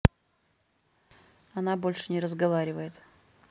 она больше разговаривает